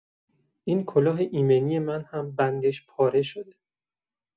این کلاه ایمنی من هم بندش پاره شده.